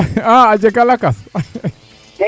a a jega lakas